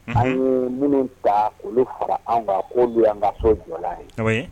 A minnu ta olu fara an ka don an ka so jɔ